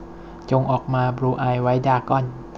จงออกมาบลูอายไวท์ดราก้อน